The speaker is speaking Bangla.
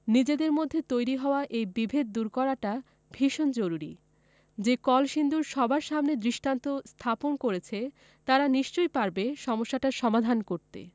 নিজেদের মধ্যে তৈরি হওয়া এই বিভেদ দূর করাটা ভীষণ জরুরি যে কলসিন্দুর সবার সামনে দৃষ্টান্ত স্থাপন করেছে তারা নিশ্চয়ই পারবে সমস্যাটার সমাধান করতে